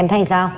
em thấy sao